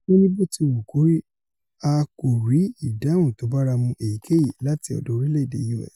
O ni ''Botiwukori, a kòrí ìdáhùn tóbáramu èyíkeyìí láti ọ̀dọ̀ orílẹ̀-èdè U.S.,'' .